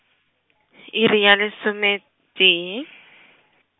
iri ya lesometee.